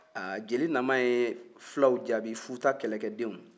aa jeli naman ye fulaw jaabi futa kɛlɛkɛdenw